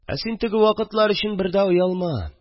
Ә син теге вакытлар өчен бер дә оялма